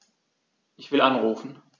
Ich will anrufen.